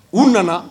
U nana